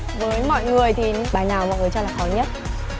với mọi người thì bài nào mọi người cho là khó nhất